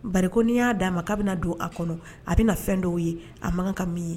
Ba ko n'i y'a d'a ma k' bɛ bɛna na don a kɔnɔ a bɛna na fɛn dɔw' ye a man kan ka min ye